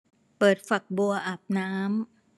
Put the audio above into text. เปิดฝักบัวอาบน้ำ